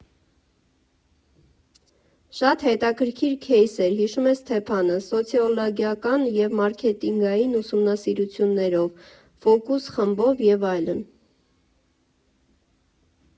Շատ հետաքրքիր քեյս էր, ֊ հիշում է Ստեփանը, ֊ սոցիոլոգիական ու մարքետինգային ուսումնասիրություններով, ֆոկուս֊խմբով և այլն։